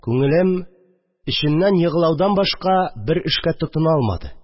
Күңелем эченнән еглаудан башка бер эшкә тотына алмады